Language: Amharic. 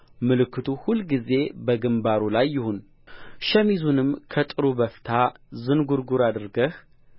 ምልክቱ ሁልጊዜ በግምባሩ ላይ ይሁን ሸሚዙንም ከጥሩ በፍታ ዝንጕርጕር አድርገህ